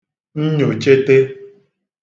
nnyòchete